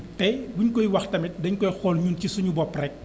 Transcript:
tey bu ñu koy wax tamit dañu koy xool ci suñu bopp rek